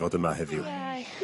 ...fod yma heddiw.